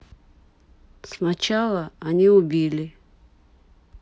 сначала они убили